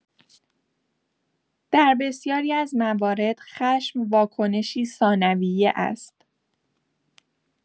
در بسیاری از موارد، خشم واکنشی ثانویه است؛